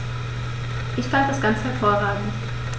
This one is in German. Ich fand das ganz hervorragend.